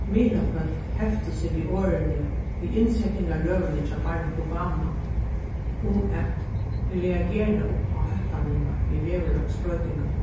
miðlafólk heftu seg við orðini í innsetingarrøðuni hjá barack obama um at reagera upp á hóttanina við veðurlagsbroytingunum